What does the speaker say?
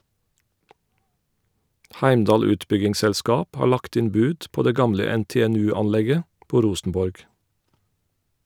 Heimdal utbyggingsselskap har lagt inn bud på det gamle NTNU-anlegget på Rosenborg.